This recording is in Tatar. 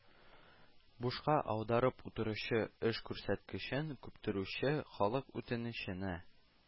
Бушка аударып утыручы эш күрсәткечен күпертүче, халык үтенеченә